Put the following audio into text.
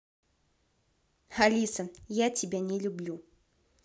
алиса я тебя не люблю